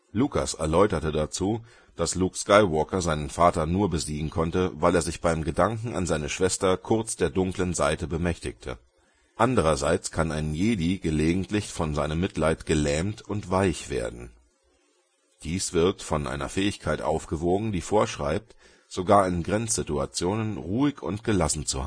Lucas erläuterte dazu, dass Luke Skywalker nur seinen Vater besiegen konnte, weil er sich beim Gedanken an seine Schwester kurz der dunklen Seite bemächtigte. Andererseits kann ein Jedi gelegentlich von seinem Mitleid gelähmt werden und „ weich “werden lassen. Dies wird von einer Fähigkeit aufgewogen, die vorschreibt, sogar in Grenzsituationen ruhig und gelassen zu